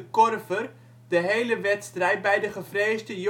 Korver de hele wedstrijd bij de gevreesde